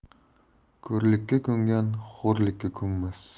ko'rlikka ko'ngan xo'rlikka ko'nmas